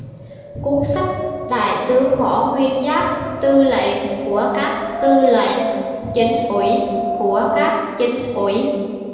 cuốn sách đại tướng võ nguyên giáp tư lệnh của các tư lệnh chính ủy của các chính ủy